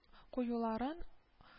Куюларын